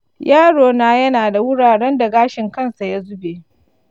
yaro na yana da wuraren da gashin kansa ya zube.